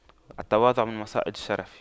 التواضع من مصائد الشرف